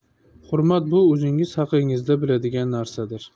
hurmat bu o'zingiz haqingizda biladigan narsadir